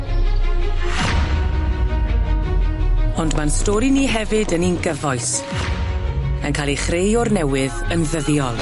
Ond ma'n stori ni hefyd yn un gyfoes, yn ca'l ei chreu o'r newydd yn ddyddiol.